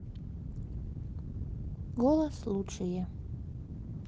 голос лучшие